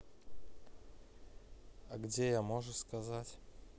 а где я можешь сказать